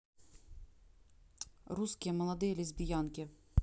русские молодые лесбиянки